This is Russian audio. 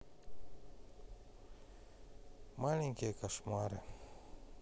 маленькие кошмары